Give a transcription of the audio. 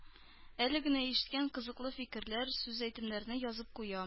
Әле генә ишеткән кызыклы фикерләр, сүз-әйтемнәрне язып куя